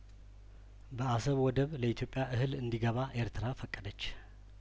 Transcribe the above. በአሰብ ወደብ ለኢትዮጵያ እህል እንዲገባ ኤርትራ ፈቀደች